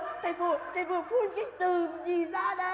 thầy vừa thầy vừa phun cái từ gì ra đấy